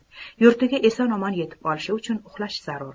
yurtiga omon eson yetib olishi uchun uxlashi zarur